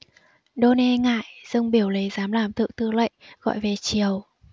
đôn e ngại dâng biểu lấy giám làm thượng thư lệnh gọi về triều